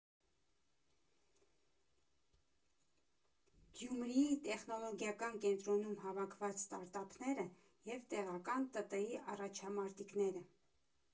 Գյումրիի տեխնոլոգիական կենտրոնում հավաքված ստարտափները և տեղական ՏՏ֊ի առաջամարտիկները։